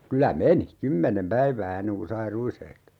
kyllä meni kymmenen päivää ennen kuin sai ruishehdon